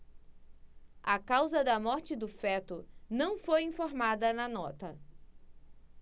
a causa da morte do feto não foi informada na nota